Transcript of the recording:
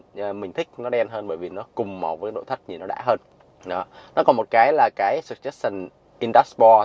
da mình thích nó đen hơn bởi vì nó cùng màu với nội thất nhìn nó đã hơn đó nó còn một cái là cái xừn chắc xừn in đắc bo